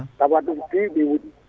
tagata ɗum siy ɗi wuuɗi